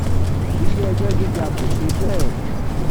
Ilé-ẹjọ́ Gíga kò ṣe bẹ́ẹ̀.